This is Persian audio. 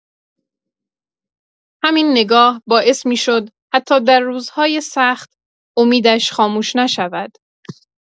همین نگاه باعث می‌شد حتی در روزهای سخت، امیدش خاموش نشود.